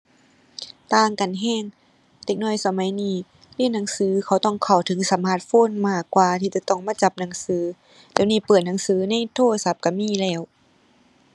ต่างกันแรง เด็กน้อยสมัยนี้เรียนหนังสือเขาต้องเข้าถึงสมาร์ตโฟนมากกว่าที่จะต้องมาจับหนังสือ เดี๋ยวนี้เปิดหนังสือในโทรศัพท์แรงมีแล้ว